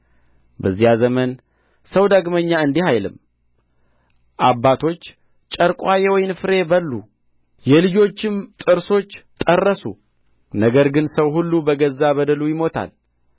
በዚያ ዘመን ሰው ዳግመኛ እንዲህ አይልም አባቶች ጨርቋ የወይን ፍሬ በሉ የልጆችም ጥርሶች ጠረሱ ነገር ግን ሰው ሁሉ በገዛ በደሉ ይሞታል